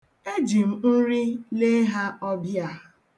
E ji m nri lee ha ọbịa.